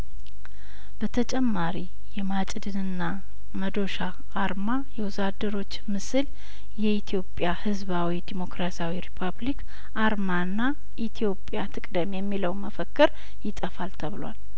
በተጨማሪ የማጭድንና መዶሻ አርማ የወዛ ደሮችምስል የኢትዮጵያ ህዝባዊ ዲሞክራሲያዊ ሪፑብሊክ አርማና ኢትዮጵያት ቅደም የሚለው መፈክር ይጠፋል ተብሏል